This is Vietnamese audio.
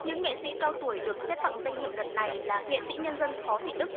những nghệ sĩ cao tuổi được xét tặng danh hiệu đợt này là nghệ sĩ nhân dân phó thị đức